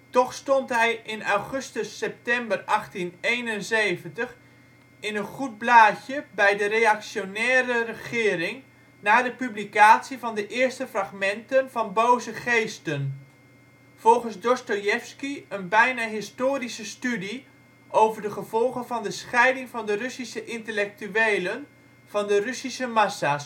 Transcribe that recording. Toch stond hij in augustus-september 1871 in een goed blaadje bij de reactionaire regering na de publicatie van de eerste fragmenten van Boze geesten; volgens Dostojevski een bijna historische studie over de gevolgen van de scheiding van de Russische intellectuelen van de Russische massa